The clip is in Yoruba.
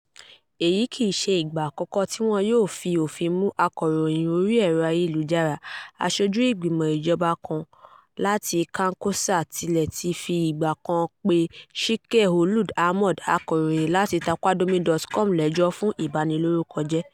Èyí kìí ṣe ìgbà àkọ́kọ́ tí wọ́n yóò fi òfin mú akọ̀rọ̀yìn orí ẹ̀rọ ayélujára, aṣojú ìgbìmọ̀ ijọba kan láti Kankossa tilẹ̀ ti fi ìgbà kan pe Cheikh Ould Ahmed, akọrọyìn láti Taqadoumy.com lẹ́jọ́ fún ìbanilórúkọjẹ́.